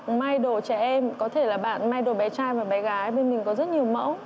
may đồ trẻ em có thể là bạn may đồ bé trai và bé gái bên mình có rất nhiều mẫu